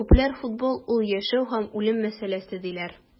Күпләр футбол - ул яшәү һәм үлем мәсьәләсе, диләр.